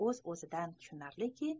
o'z o'zidan tushunarliki